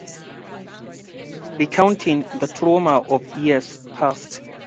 Recounting the trauma of years past